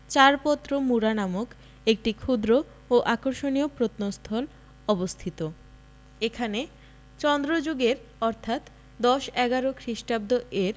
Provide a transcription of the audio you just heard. চারপত্র মুড়া নামক একটি ক্ষুদ্র ও আকর্ষণীয় প্রত্নস্থল অবস্থিত এখানে চন্দ্র যুগের অর্থাৎ দশ এগারো খ্রিস্টাব্দ এর